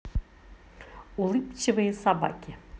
улыбчивые собаки